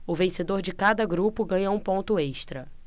o vencedor de cada grupo ganha um ponto extra